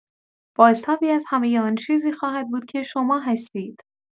بازتابی از همه آن چیزی خواهد بود که شما هستید.